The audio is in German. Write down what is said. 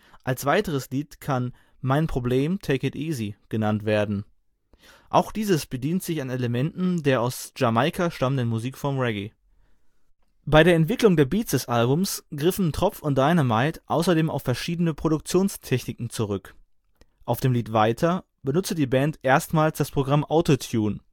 Als weiteres Lied kann Mein Problem (Take it easy) genannt werden. Auch dieses bedient sich an Elementen der aus Jamaika stammenden Musikform Reggae. Bei der Entwicklung der Beats des Albums griffen Tropf und Dynamite außerdem auf verschiedene Produktionstechniken zurück. Auf dem Lied Weiter benutzte die Band erstmals das Programm Auto-Tune